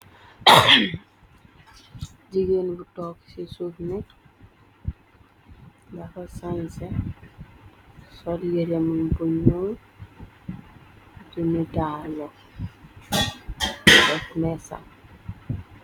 jigeen bu tokk ci suuf nit daxa sanse solyiremul buñu ju mitaar wok bef meesa